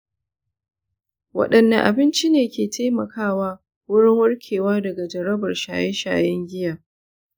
wadanne abinci ne ke taimakawa wurin warkewa daga jarabar shaye-shayen giya?